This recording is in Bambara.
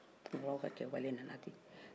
tunkaraw ka kɛwale nana ten